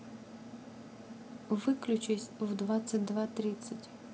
выключись в двадцать два тридцать